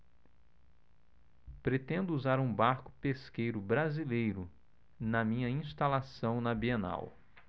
pretendo usar um barco pesqueiro brasileiro na minha instalação na bienal